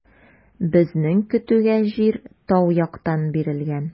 Безнең көтүгә җир тау яктан бирелгән.